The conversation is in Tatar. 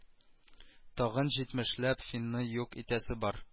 Тагын җитмешләп финны юк итәсе бар